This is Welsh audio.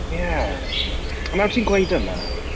Ie, nawr ti'n gweud hwnna.